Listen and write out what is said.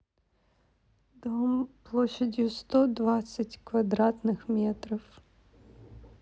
дом площадью сто двадцать квадратных метров